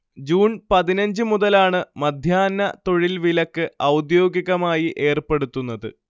June പതിനഞ്ച്‌ മുതലാണ് മധ്യാഹ്ന തൊഴിൽ വിലക്ക് ഔദ്യോഗികമായി ഏർപ്പെടുത്തുന്നത്